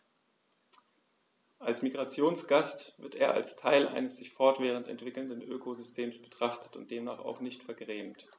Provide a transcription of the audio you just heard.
Als Migrationsgast wird er als Teil eines sich fortwährend entwickelnden Ökosystems betrachtet und demnach auch nicht vergrämt.